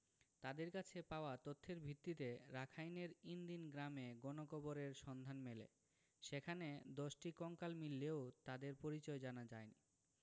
তাঁদের কাছে পাওয়া তথ্যের ভিত্তিতে রাখাইনের ইন দিন গ্রামে গণকবরের সন্ধান মেলে সেখানে ১০টি কঙ্কাল মিললেও তাদের পরিচয় জানা যায়নি